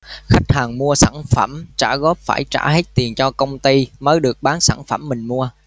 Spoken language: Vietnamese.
khách hàng mua sản phẩm trả góp phải trả hết tiền cho cty mới được bán sản phẩm mình mua